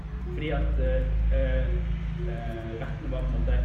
Fordi at rettene var på en måte...